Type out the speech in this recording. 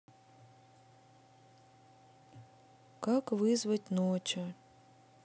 как вызвать нотча